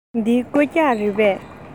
འདི རྐུབ བཀྱག རེད པས